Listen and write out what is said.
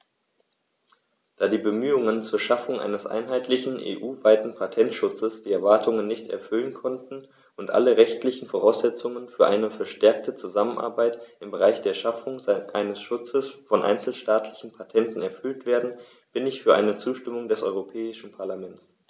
Da die Bemühungen zur Schaffung eines einheitlichen, EU-weiten Patentschutzes die Erwartungen nicht erfüllen konnten und alle rechtlichen Voraussetzungen für eine verstärkte Zusammenarbeit im Bereich der Schaffung eines Schutzes von einzelstaatlichen Patenten erfüllt werden, bin ich für eine Zustimmung des Europäischen Parlaments.